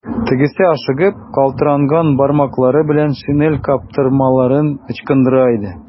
Тегесе ашыгып, калтыранган бармаклары белән шинель каптырмаларын ычкындыра иде.